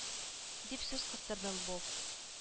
Дип сүз кыстырды лбов